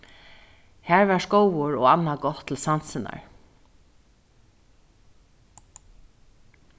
har var skógur og annað gott til sansirnar